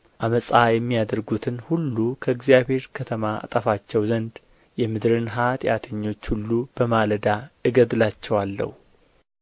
ዓመፃ የሚያደርጉትን ሁሉ ከእግዚአብሔር ከተማ አጠፋቸው ዘንድ የምድርን ኃጢአተኞች ሁሉ በማለዳ እገድላቸዋለሁ